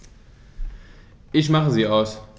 Ich mache sie aus.